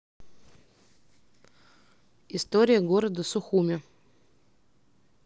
история города сухуми